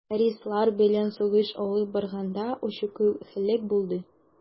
Террористлар белән сугыш алып барганда очучы һәлак булды.